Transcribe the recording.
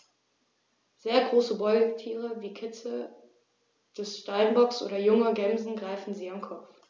Sehr große Beutetiere wie Kitze des Steinbocks oder junge Gämsen greifen sie am Kopf.